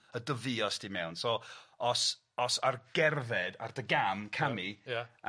y dyfios di mewn, so os os ar gerdded ar dy gam camu... Ia ia.